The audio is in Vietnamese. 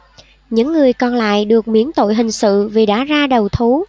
những người còn lại được miễn tội hình sự vì đã ra đầu thú